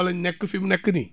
fa lañ nekk fi mu nekk nii